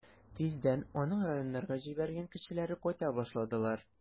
Тиздән аның районнарга җибәргән кешеләре кайта башладылар.